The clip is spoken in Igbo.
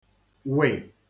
wị